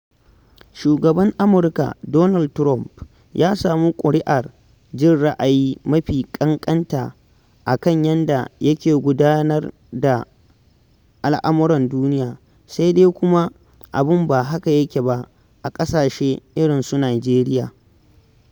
Shugaban Amurka Donald Trump ya samu ƙuri'ar jin ra'ayi mafi ƙanƙanta a kan yadda yake gudanar da al'amuran duniya, sai dai kuma abun ba haka yake ba a ƙasashe irinsu Nijeriya.